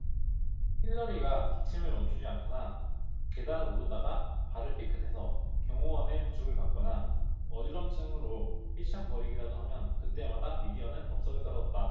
힐러리가 기침을 멈추지 않거나 계단을 오르다가 발을 삐끗해서 경호원의 부축을 받거나 어지럼증으로 휘청거리기라도 하면 그 때마다 미디어는 법석을 떨었다